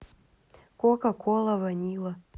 кока кола ванила